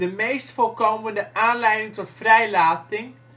meest voorkomende aanleiding tot vrijlating